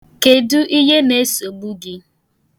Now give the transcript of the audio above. Kedu ihe na-esogbu gị?